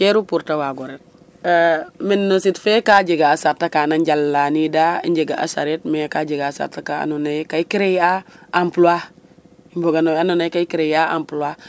Seeru pour ta waag o ret mene no sit fe ka jega a sarta ka na njalanniida i njega a sareet mais ka jega a sarta ka andoona yee ka i creer a emploi i mboga no we andoona yee ga' i créer emploi